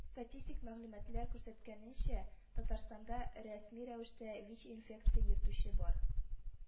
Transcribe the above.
Статистик мәгълүматлар күрсәткәненчә, Татарстанда рәсми рәвештә ВИЧ- инфекция йөртүче бар